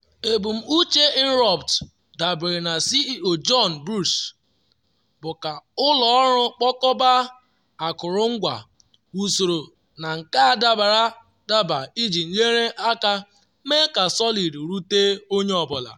Ebumnuche Inrupt, dabere na CEO John Bruce, bụ ka ụlọ ọrụ kpokọba, akụrụngwa, usoro na nka dabara daba iji nyere aka mee ka Solid rute onye ọ bụla.